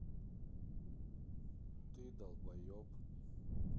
ты долбоеб